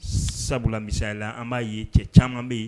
Sabula misayala, an b'a ye cɛ caman bɛ yen